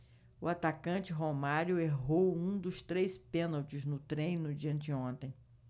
o atacante romário errou um dos três pênaltis no treino de anteontem